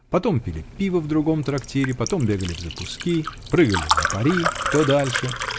потом пили пиво в другом трактире, потом бегали взапуски, прыгали на пари: кто дальше?